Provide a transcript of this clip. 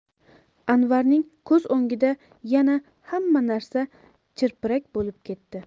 anvarning ko'z o'ngida yana hamma narsa chirpirak bo'lib ketdi